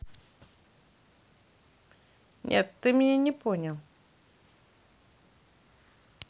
нет ты меня не понял